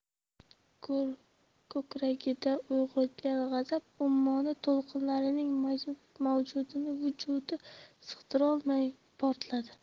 ko'kragida uyg'ongan g'azab ummoni to'lqinlarining mavjini vujudi sig'dirolmay portladi